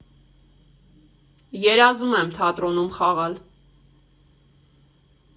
Երազում եմ թատրոնում խաղալ։